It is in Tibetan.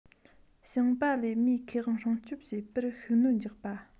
ཞིང པ ལས མིའི ཁེ དབང སྲུང སྐྱོང བྱེད པར ཤུགས སྣོན རྒྱག པ